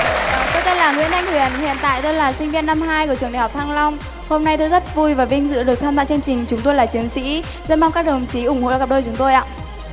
tôi tên là nguyễn thanh huyền hiện tại tôi là sinh viên năm hai của trường đại học thăng long hôm nay tôi rất vui và vinh dự được tham gia chương trình chúng tôi là chiến sĩ rất mong các đồng chí ủng hộ cặp đôi chúng tôi ạ